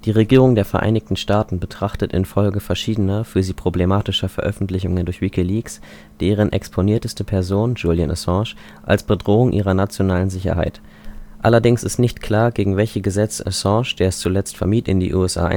Regierung der Vereinigten Staaten betrachtet infolge verschiedener für sie problematischer Veröffentlichungen durch WikiLeaks deren exponierteste Person, Julian Assange, als Bedrohung ihrer nationalen Sicherheit. Allerdings ist nicht klar, gegen welche Gesetze Assange, der es zuletzt vermied, in die USA einzureisen